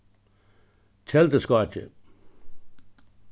kelduskákið